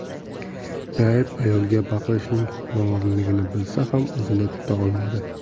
beayb ayolga baqirishning noo'rinligini bilsa ham o'zini tuta olmadi